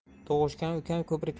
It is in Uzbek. tug'ushgan ukam ko'prikdan